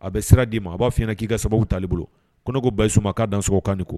A bɛ sira d'i ma b'a f'i ɲɛna k'i ka sababu t'ale bolo, ko ne ko Bayisu k'a ka dansɔgɔ k'a ni kɔ